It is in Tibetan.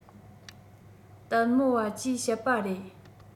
ལྟད མོ བ ཅེས བཤད པ རེད